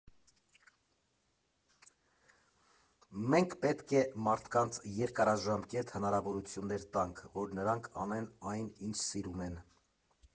Մենք պետք է մարդկանց երկարաժամկետ հնարավորություններ տանք, որ նրանք անեն այն, ինչ սիրում են։